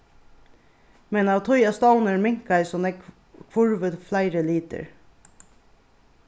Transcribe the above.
men av tí at stovnurin minkaði so nógv hvurvu fleiri litir